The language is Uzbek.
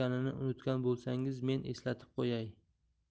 unutgan bo'lsangiz men eslatib qo'yay